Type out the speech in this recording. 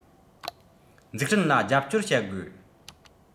འཛུགས སྐྲུན ལ རྒྱབ སྐྱོར བྱ དགོས